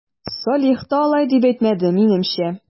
Салих та алай дип әйтмәде, минемчә...